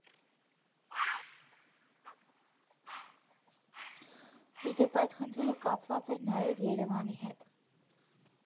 Ի դեպ, այդ խնդիրը կապված էր նաև Երևանի հետ։